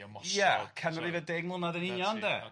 Ia, canrif a deg mlynedd yn union 'de.